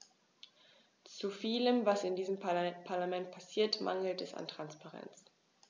Zu vielem, was in diesem Parlament passiert, mangelt es an Transparenz.